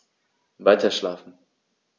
Weiterschlafen.